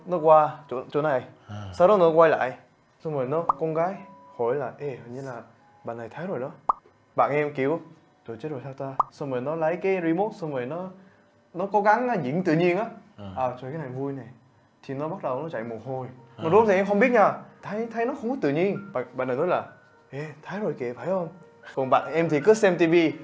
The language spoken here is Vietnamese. nó qua chỗ này xong rồi nó quay lại xong rồi nó con gái hỏi là ê hình như là bà này thấy rồi đó bạn em kiểu thôi chết rồi sao ta xong rồi nó lấy cái ri mốt xong rồi nó nó cố gắng nó diễn tự nhiên lắm ờ chơi cái này vui này thì nó bắt đầu nó chảy mồ hôi mà rỗ ràng em hông biết nha thấy thấy nó húi tự nhiên bà này nói là ê thái ơi kia phải hông còn bạn em thì cứ xem ti vi